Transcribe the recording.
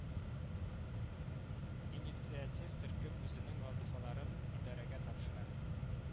Инитсиатив төркем үзенең вазыйфаларын идарәгә тапшыра